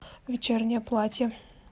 вечернее платье